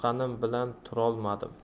tuqqanim bilan turolmadim